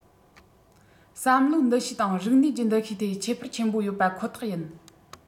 བསམ བློའི འདུ ཤེས དང རིག གནས ཀྱི འདུ ཤེས ཐད ཁྱད པར ཆེན པོ ཡོད པ ཁོ ཐག ཡིན